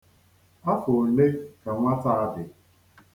Afọ ole ka nwata a dị?